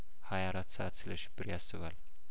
ሀያ አራት ሰአት ስለሽብር ያስባል